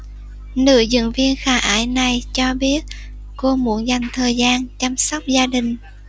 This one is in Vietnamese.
nữ diễn viên khả ái này cho biết cô muốn dành thời gian chăm sóc gia đình